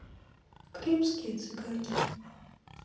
крымские цыгане